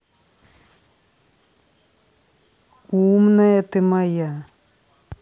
умная ты моя